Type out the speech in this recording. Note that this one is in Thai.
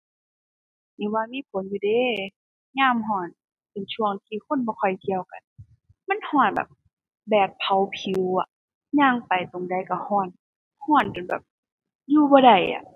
นี่ว่ามีผลอยู่เดะ ยามร้อนเป็นช่วงที่คนบ่ค่อยเที่ยวกัน มันร้อนแบบ แบบเผาผิวอะ ย่างไปหม้องใดร้อนร้อน ร้อนจนแบบอยู่บ่ได้อะ